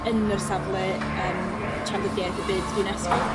yn yr safle yym trafdidiaeth y byd UNESCO?